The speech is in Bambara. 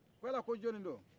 ko yala ko jonin do